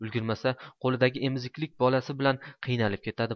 ulgurmasa qo'lidagi emizuklik bolasi bilan qiynalib ketadi